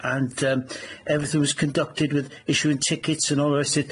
and erm everything was conducted with issuing tickets and all the rest o' it.